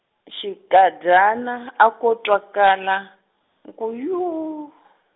xinkadyana a ko twakala, ku yuu.